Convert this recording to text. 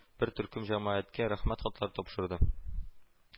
Бер төркем җәмәгатькә рәхмәт хатлары тапшырды